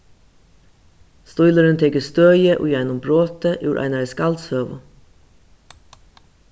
stílurin tekur støði í einum broti úr einari skaldsøgu